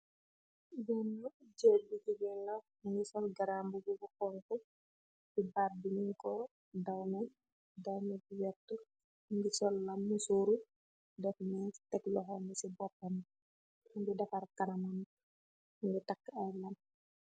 Benna jegg bu jigeen la, Mugeh sol ganbubah buh honha si baad bi nungu dowmeh , dowmeh bu werta , mukeh sol lamm musoruh deff mess tekk lohom bi si bobambo , mukeh defal kanamambi, mukeh takah ayy laam.